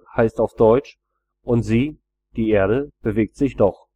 heißt auf deutsch „ und sie (die Erde) bewegt sich doch